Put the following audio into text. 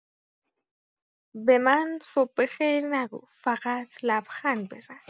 به من صبح بخیر نگو، فقط لبخند بزن!